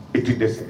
I tɛ tɛ